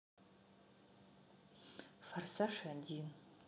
форсаж один